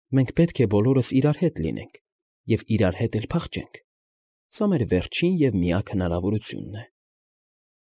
Մենք պետք է բոլորս իրար հետ լինենք և իրար հետ էլ փախչենք, սա մեր վերջին և միակ հնարավորությունն է։